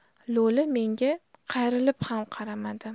lo'li menga qayrilib ham qaramadi